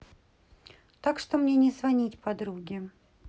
так что мне не звонить подруге